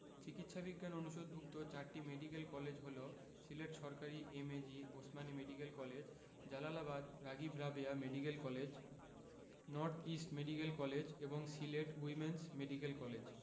চিকিৎসা বিজ্ঞান অনুষদভুক্ত চারটি মেডিকেল কলেজ হলো সিলেট সরকারি MAG Osmani medical college Jalalabad Ragib Rabeya medical college north east medical college এবং সিলেট উইম্যানস মেডিকেল কলেজ